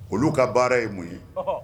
Olu ka baara ye mun ye